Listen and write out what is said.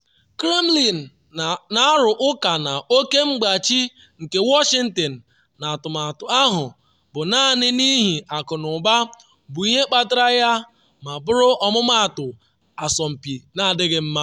Kremlin na-arụ ụka na oke mgbachi nke Washington n’atụmatụ ahụ bụ naanị n’ihi akụnụba bụ ihe kpatara ya ma bụrụ ọmụmatụ asompi n’adịghị mma.